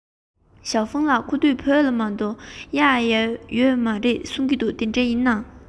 ཞའོ ཧྥུང ལགས གོ ཐོས ལ བོད ལྗོངས མ གཏོགས གཡག ཡོད མ རེད ཟེར གྱིས དེ འདྲ ཡིན ན